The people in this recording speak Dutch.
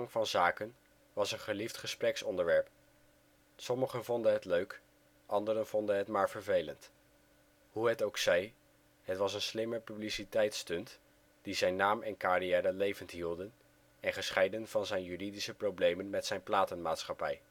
van zaken was een geliefd gespreksonderwerp; sommigen vonden het leuk, anderen vonden het maar vervelend. Hoe het ook zij, het was een slimme publiciteitsstunt die zijn naam en carrière levend hielden en gescheiden van zijn juridische problemen met zijn platenmaatschappij